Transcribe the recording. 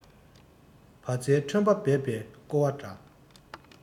བ ཚྭའི ཁྲོན པ འབད པས རྐོ བ འདྲ